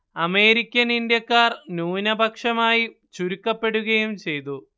American ഇന്ത്യക്കാർ ന്യൂനപക്ഷമായി ചുരുക്കപ്പെടുകയും ചെയ്തു